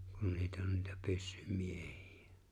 kun niitä on niitä pyssymiehiä